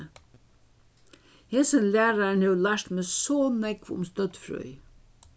hesin lærarin hevur lært meg so nógv um støddfrøði